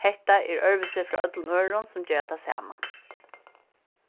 hetta er øðrvísi frá øllum øðrum sum gera tað sama